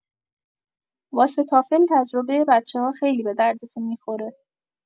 واسه تافل تجربه بچه‌ها خیلی به دردتون می‌خوره.